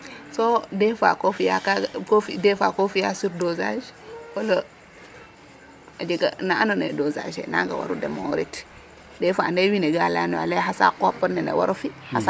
Soo dés fois koo fi'aa kaaga ko dés fois koo fi'aa surdosage wala o jega na andoona ye dosage fe naaga waru deme'oorit dés fois ande wiin we ka layanooyo a layaa xa saku pod nene war o fi'.